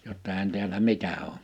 jotta eihän täällä mitään ole